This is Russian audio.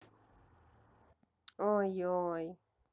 ой ой